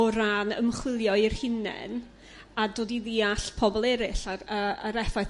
o ran ymchwilio i'r hunen a dod i ddeall pobl eraill ag yrr yr effaith